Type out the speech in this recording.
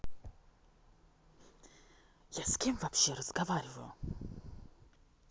я с кем вообще разговариваю